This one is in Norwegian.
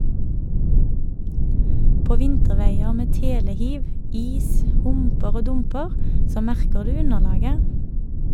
På vinterveier med telehiv , is, humper og dumper så merker du underlaget.